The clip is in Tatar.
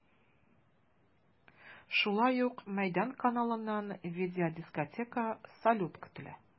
Шулай ук “Мәйдан” каналыннан видеодискотека, салют көтелә.